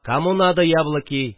Кому надо яблоки